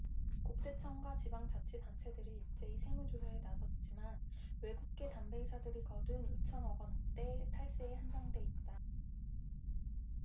국세청과 지방자치단체들이 일제히 세무조사에 나섰지만 외국계 담배회사들이 거둔 이천 억원대 탈세에 한정돼 있다